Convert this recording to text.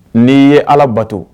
N' ye ala bato